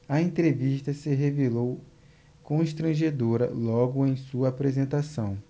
a entrevista se revelou constrangedora logo em sua apresentação